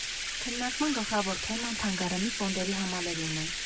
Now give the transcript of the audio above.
Քննարկման գլխավոր թեման՝ թանգարանի ֆոնդերի համալրումը։